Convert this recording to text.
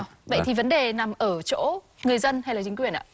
vậy thì vấn đề nằm ở chỗ người dân hay là chính quyền ạ